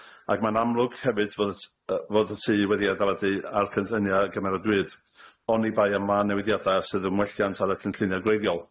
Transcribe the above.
Ac mae'n amlwg hefyd fod y t- yy fod y tŷ wedi ei adeiladu ar y cynlluniau gymeradwywyd, oni bai am mân newidiadau sydd yn welliant ar y cynlluniau gwreiddiol.